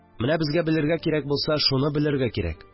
Мен ә безгә белергә кирәк булса, шуны белергә кирәк